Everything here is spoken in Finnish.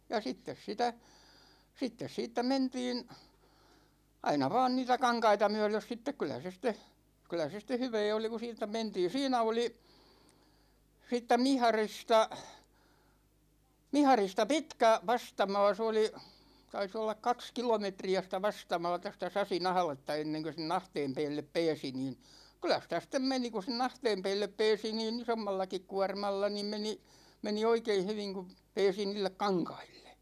ja sitten sitä sitten siitä mentiin aina vain niitä kankaita myöden sitten kyllä se sitten kyllä se sitten hyvää oli kun siitä mentiin siinä oli siitä Miharista Miharista pitkä vastamaa se oli taisi olla kaksi kilometriä sitä vastamaata sitä Sasin ahdetta ennen kuin sen ahteen päälle pääsi niin kyllä sitä sitten meni kun sen ahteen päälle pääsi niin isommallakin kuormalla niin meni meni oikein hyvin kun pääsi niille kankaille